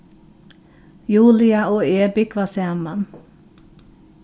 julia og eg búgva saman